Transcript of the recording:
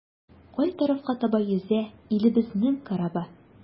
Кай тарафка таба йөзә илебезнең корабы?